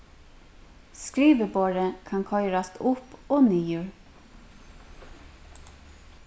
skriviborðið kann koyrast upp og niður